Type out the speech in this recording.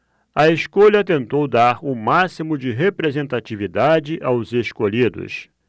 a escolha tentou dar o máximo de representatividade aos escolhidos